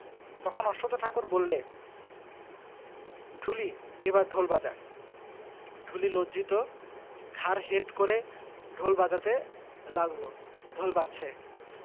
তখন অশ্বথ ঠাকুর বললে ঢুলি এইবার ঢোল বাজা ঢুলি লজ্জায় ঘাড় হেট করে ঢোল বাজাতে লাগল ঢোল বাজছে